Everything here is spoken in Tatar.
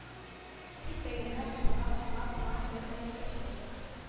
Дип бәйләнә кызыгып тыңлап торган бер бәләкәче